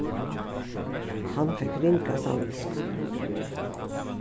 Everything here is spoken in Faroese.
hann fekk ringa samvitsku